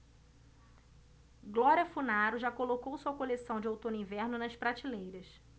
glória funaro já colocou sua coleção de outono-inverno nas prateleiras